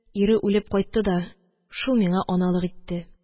Ире үлеп, кайтты да, шул миңа аналык итте